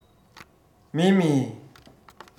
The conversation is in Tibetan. མཱེ མཱེ